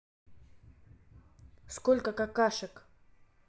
сколько какашек